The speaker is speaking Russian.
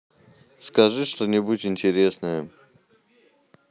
скажи что нибудь интересное